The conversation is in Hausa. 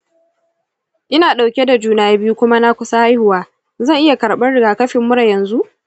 ina ɗauke da juna biyu kuma na kusa haihuwa; zan iya karɓar rigakafin mura yanzu?